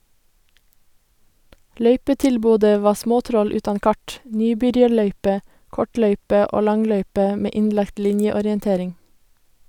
Løypetilbodet var småtroll utan kart, nybyrjarløype, kortløype og langløype med innlagt linjeorientering.